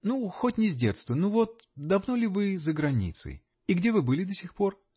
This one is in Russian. Ну, хоть не с детства ну вот -- давно ли вы за границей? И где вы были до сих пор?